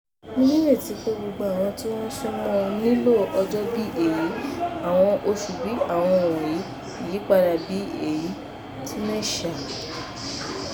Mo ní ìrètí pé gbogbo àwọn tí wọ́n súnmọ́n-ọn, ń lo àwọn ọjọ́ bíi èyí, àwọn oṣù bíi àwọn wọ̀nyí, ìyípadà bí èyí #tunisia#tnelec